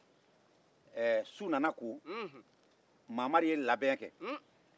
du nana ko mamari ye labɛn kɛ